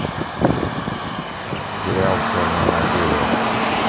сериал черная материя